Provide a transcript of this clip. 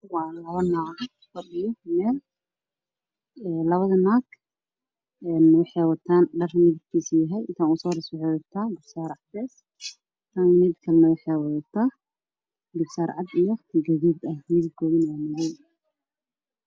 walaba nag iyo nin labada nag waxy watan Dhar midab kisu yahay tan uso horeyso waxay wadata garbsar cdes a midakalana waxay wadata garbasar cad iyo gadud ah midabkoduna yahay madow